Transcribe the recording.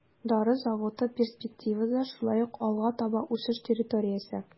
Дары заводы перспективада шулай ук алга таба үсеш территориясе.